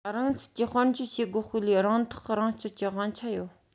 རང ཚུགས ཀྱིས དཔལ འབྱོར བྱེད སྒོ སྤེལ བའི རང ཐག རང གཅོད ཀྱི དབང ཆ ཡོད